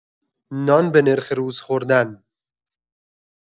نان به نرخ روز خوردن